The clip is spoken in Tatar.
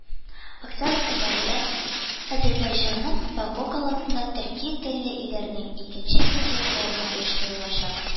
Октябрь көннәрендә әзербайҗанның баку каласында төрки телле илләрнең икенче медиа-форумы оештырылачак